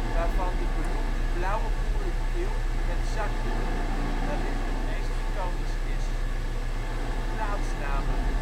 waarvan de beroemde blauwe boerenkiel met zakdoek wellicht het meest iconisch zijn. Plaatsnamen